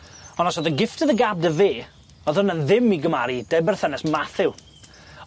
On' os o'dd y gift o' the gab 'dy fe o'dd wnna'n ddim i gymaru 'da' berthynas Matthew.